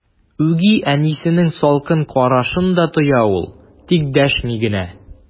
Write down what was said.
Үги әнисенең салкын карашын да тоя ул, тик дәшми генә.